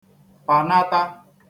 pànata